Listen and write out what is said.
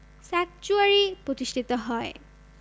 sanctuary প্রতিষ্ঠিত হয়